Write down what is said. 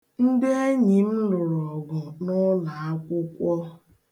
Ndị enyi m lụrụ ọgụ n'ụlọakwụkwọ.